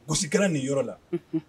U sikala nin yɔrɔ la.